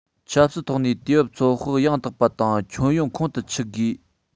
ཆབ སྲིད ཐོག ནས དུས བབ ཚོད དཔག ཡང དག པ དང ཁྱོན ཡོངས ཁོང དུ ཆུད མཁས པོ བྱ རྒྱུ